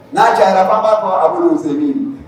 N'a cayara fa b'a fɔ a tun se